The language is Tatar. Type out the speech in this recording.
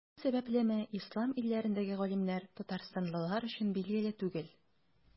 Шул сәбәплеме, Ислам илләрендәге галимнәр Татарстанлылар өчен билгеле түгел.